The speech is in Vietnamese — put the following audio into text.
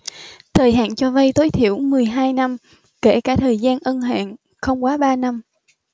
thời hạn cho vay tối thiểu mười hai năm kể cả thời gian ân hạn không quá ba năm